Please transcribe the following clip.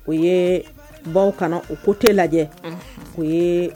U ye baw kana o ko tɛ lajɛ u ye